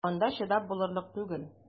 Анда чыдап булырлык түгел!